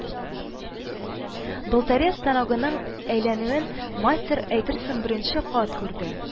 Болторез станогының әйләнүен мастер әйтерсең беренче кат күрде